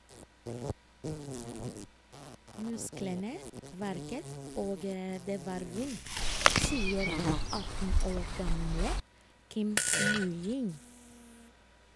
Musklene verket og det var vondt, sier 18 år gamle Kim Myung-jin.